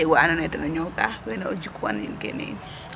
A jeg wa andoona ye ten o ñoowta wene o jikwaniin kene yiin .